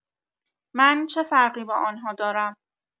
من چه فرقی با آنها دارم؟